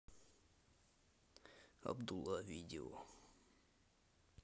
абдула видео